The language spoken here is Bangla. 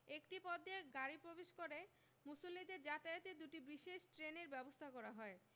একটি পথ গাড়ি প্রবেশ করে মুসল্লিদের যাতায়াতে দুটি বিশেষ ট্রেনের ব্যবস্থা করা হয়